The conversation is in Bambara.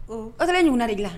Oto ye ŋ na de dilan